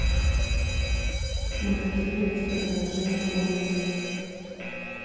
мы хотим найти продолжение омена